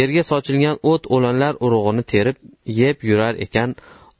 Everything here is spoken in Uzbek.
yerda sochilgan o't o'lanlar urug'ini terib yeb yurar ekan